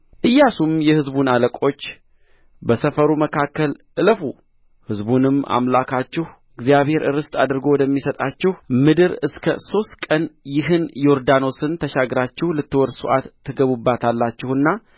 ኢያሱም የሕዝቡን አለቆች በሰፈሩ መካከል እለፉ ሕዝቡንም አምላካችሁ እግዚአብሔር ርስት አድርጎ ወደሚሰጣችሁ ምድር እስከ ሦስት ቀን ይህን ዮርዳኖስን ተሻግራችሁ ልትወርሱአት ትገቡባታላችሁና